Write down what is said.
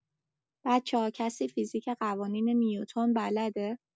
بچه‌ها کسی فیزیک قوانین نیوتن بلده؟